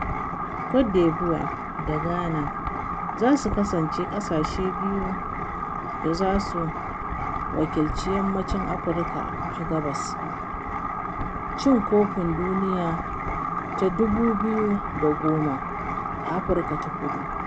Côte d'Ivoire da Ghana za su kasance ƙasashe biyu da za su wakilci Yammacin Afirka a Gasar Cin Kofin Duniya ta 2010 a Afirka ta Kudu.